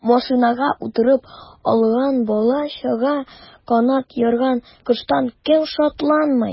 Машинага утырып алган бала-чага канат ярган коштан ким шатланмый.